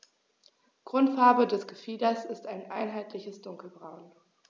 Grundfarbe des Gefieders ist ein einheitliches dunkles Braun.